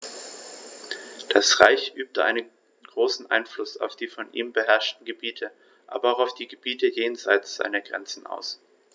Das Reich übte einen großen Einfluss auf die von ihm beherrschten Gebiete, aber auch auf die Gebiete jenseits seiner Grenzen aus.